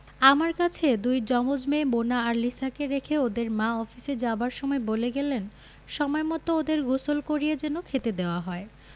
আমার কাছে দুই জমজ মেয়ে মোনা আর লিসাকে রেখে ওদের মা অফিসে যাবার সময় বলে গেলেন সময়মত ওদের গোসল করিয়ে যেন খেতে দেওয়া হয়